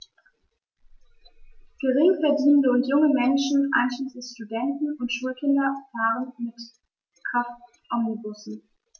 Geringverdienende und junge Menschen, einschließlich Studenten und Schulkinder, fahren mit Kraftomnibussen.